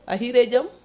a hiire jaam